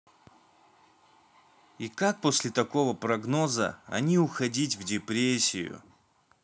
и как после такого прогноза они уходить в депрессию